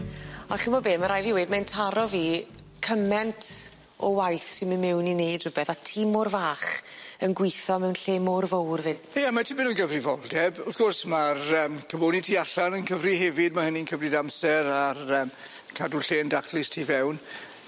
A chi'mo' be' ma' raid fi weud mae'n taro fi cyment o waith sy'n myn' miwn i neud rwbeth a tîm mor fach yn gwitho mewn lle mor fowr 'fyd. Ie mae tipyn o gyfrifoldeb wrth gwrs ma'r yym cymoni tu allan yn cyfri hefyd ma' hynny'n cymryd amser a'r yym cadw'r lle yn daclus tu fewn.